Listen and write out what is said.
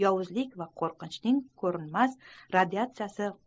yovuzlik va qo'rqinchning ko'rinmas radiatsiyasi